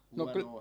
no -